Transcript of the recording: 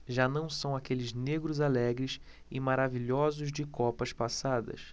já não são aqueles negros alegres e maravilhosos de copas passadas